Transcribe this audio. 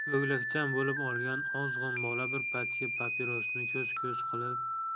ko'ylakchan bo'lib olgan ozg'in bola bir pachka papirosni ko'z ko'z qilib